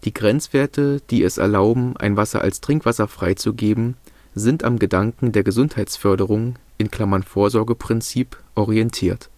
Grenzwerte, die es erlauben, ein Wasser als Trinkwasser freizugeben, sind am Gedanken der Gesundheitsförderung (Vorsorgeprinzip) orientiert